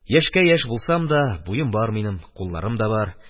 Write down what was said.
Яшькә яшь булсам да, буем бар минем, кулларым да бар.